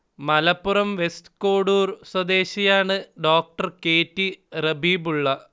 Malappuram west Kodur സ്വദേശിയാണ് Dr K T Rabeebulla